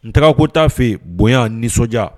N taga ko t'a fɛ bonya nisɔndiya